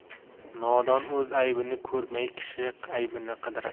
nodon o'z aybini ko'rmay kishi aybini qidirar